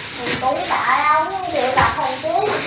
thì cũng tại ông không chịu đặt phòng trước làm